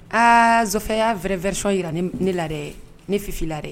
Aa sofa y'a vrai version jira ne la dɛ re Fifi la